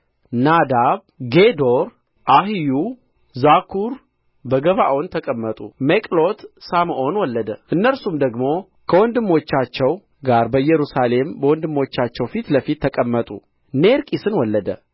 ናዳብ ጌዶር አሒዮ ዛኩር በገባዖን ተቀመጡ ሚቅሎት ሳምአን ወለደ እነርሱ ደግሞ ከወንድሞቻቸው ጋር በኢየሩሳሌም በወንድሞቻቸው ፊት ለፊት ተቀመጡ ኔር ቂስን ወለደ